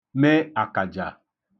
me àkàja